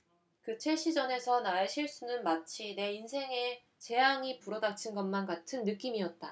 그 첼시 전에서 나의 실수는 마치 내 인생에 재앙이 불어닥친 것만 같은 느낌이었다